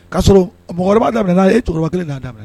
'a sɔrɔ mɔgɔkɔrɔbaba daminɛ n'a ye cɛkɔrɔbaba kelen k' daminɛ